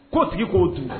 Ko sigi ko